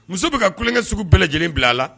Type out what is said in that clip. Muso bɛ ka kunkɛ sugu bɛɛ lajɛlen bila a la